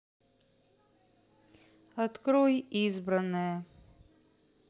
открой избранное